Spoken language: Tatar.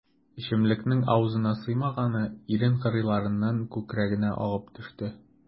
Эчемлекнең авызына сыймаганы ирен кырыйларыннан күкрәгенә агып төште.